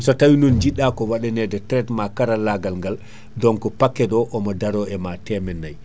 so tawi non jidɗa ko waɗanede traitement karallagal ngal donc paquet o omo daaro ema temen nayyi